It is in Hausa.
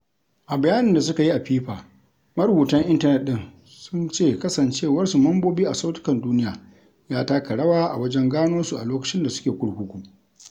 A bayanin da suka yi a FIFA, marubutan intanet ɗin sun ce kasancewarsu mambobi a Sautukan Duniya ya taka rawa a wajen gano su a lokacin da suke kurkuku.